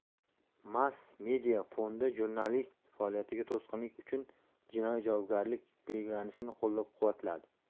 mass media fondi jurnalist faoliyatiga to'sqinlik uchun jinoiy javobgarlik belgilanishini qo'llab quvvatladi